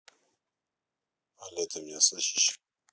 але ты меня слышишь